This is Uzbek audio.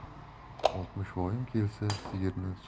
oltmishvoyim kelsa sigirni sotib